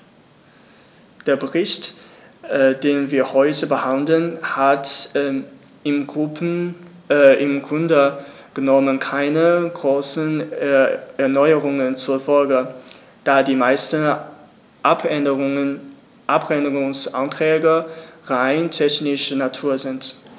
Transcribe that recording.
Der Bericht, den wir heute behandeln, hat im Grunde genommen keine großen Erneuerungen zur Folge, da die meisten Abänderungsanträge rein technischer Natur sind.